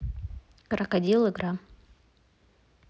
крокодил игра